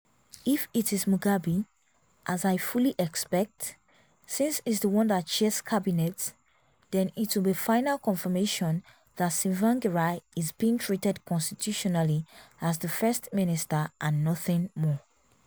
If it is Mugabe, as I fully expect, since he is the one that Chairs cabinet, then it will be final confirmation that Tsvangirai is being treated constitutionally as the First Minister and nothing more.